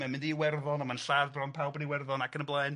mae'n mynd i Iwerddon a ma'n lladd bron pawb yn Iwerddon ac yn y blaen.